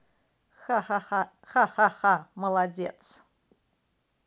ха ха ха молодец